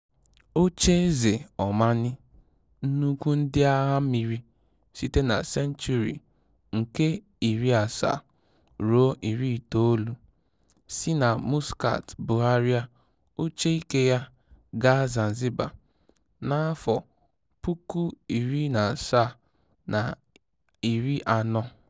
Ocheeze Omani, "nnukwu ndị agha mmiri site na senchuri nke 17 ruo 19, si na Muscat bugharịa oche ike ya gaa Zanzibar na 1840.